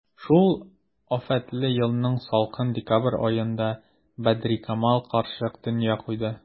Шул афәтле елның салкын декабрь аенда Бәдрикамал карчык дөнья куйды.